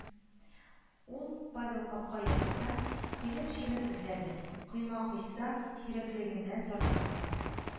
Ул, Павел капка ясаса, кыек җирен эзләде, койма койса, сирәклегеннән зарланды